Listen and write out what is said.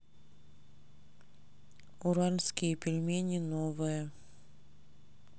уральские пельмени новое